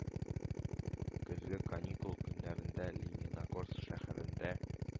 Көзге каникул көннәрендә Лениногорск шәһәрендә